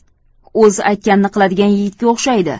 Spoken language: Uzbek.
o'z aytganini qiladigan yigitga o'xshaydi